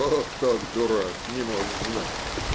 - Как так, дурак, не можешь знать?